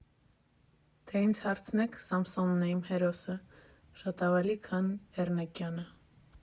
Թե ինձ հարցնեք՝ Սամսոնն է իմ հերոսը, շատ ավելի, քան Էռնեկյանը։